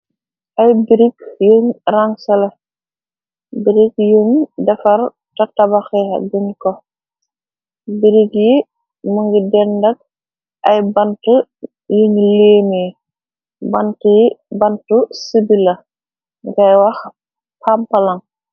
Ay brig yuñ rangsala birig yuñ defar ta tabaxe biñ ko birig yi më ngi dendak ay bant yuñ leeme bant yi bantu sibi la ngay wax pampalan.